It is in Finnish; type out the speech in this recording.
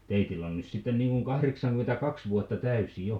teillä on nyt sitten niin kuin kahdeksankymmentäkaksi vuotta täysi jo